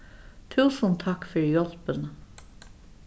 túsund takk fyri hjálpina